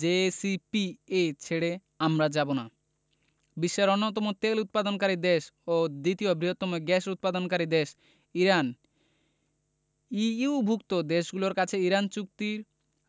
JCPOA ছেড়ে আমরা যাব না বিশ্বের অন্যতম তেল উৎপাদনকারী দেশ ও দ্বিতীয় বৃহত্তম গ্যাস উৎপাদনকারী দেশ ইরান ইইউভুক্ত দেশগুলোর কাছে ইরান চুক্তি